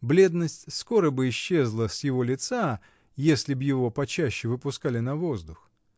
бледность скоро бы исчезла с его лица, если б его почаще выпускали на воздух.